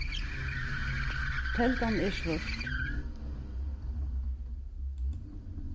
teldan er svørt